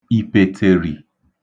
ìpètèrì